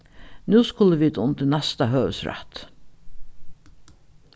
nú skulu vit undir næsta høvuðsrætt